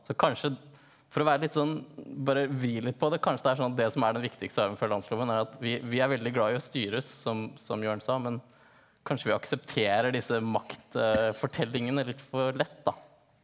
så kanskje for å være litt sånn bare vri litt på det kanskje det er sånn at det som er den viktigste arven fra landsloven er at vi vi er veldig glade i å styres som som Jørn sa men kanskje vi aksepterer disse maktfortellingene litt for lett da.